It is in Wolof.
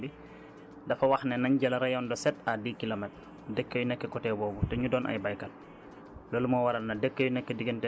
parce que bi ISRA ñëwee programme bi dafa wax ne nañ jël rayon de sept à dix kilomètres dëkk yu nekk côté boobu te ñu doon ay baykat